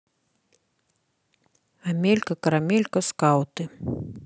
амелька карамелька скауты